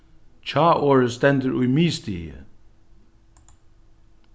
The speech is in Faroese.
hjáorðið stendur í miðstigi